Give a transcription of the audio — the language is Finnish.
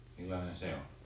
millainen se on